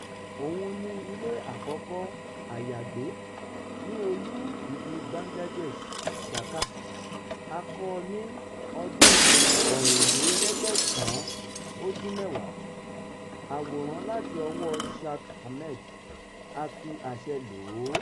Òun ni ilé àkọ́kọ́ àyàgbé ní olú-ìlú Bangladeshi, Dhaka, a kọ́ ọ ní ọdún-un 1870. Àwòrán láti ọwọ́ọ Shakil Ahmed, a fi àṣẹ lò ó.